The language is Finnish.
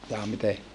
jaa miten